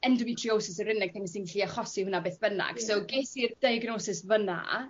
endometriosis yw'r unig thing sy'n gallu achosi hwnna beth bynnag so ges i'r diagnosis fy' 'na